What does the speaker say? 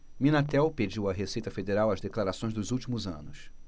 minatel pediu à receita federal as declarações dos últimos anos